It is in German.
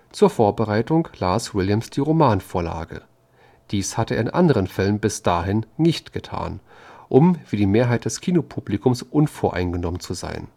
Zur Vorbereitung las Williams die Romanvorlage. Dies hatte er in anderen Fällen bis dahin nicht getan, um wie die Mehrheit des Kinopublikums unvoreingenommen zu sein